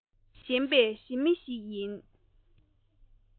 ཞེན པའི ཞི མི ཞིག ཡིན